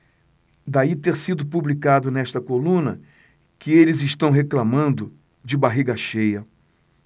daí ter sido publicado nesta coluna que eles reclamando de barriga cheia